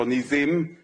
Bo ni ddim